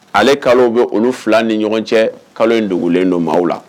Ale kalo bɛ olu fila ni ɲɔgɔn cɛ kalo in dogolen don maaw la